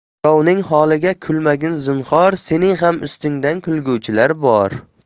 birovning holiga kulmagin zinhor sening ham holingga kulguvchilar bor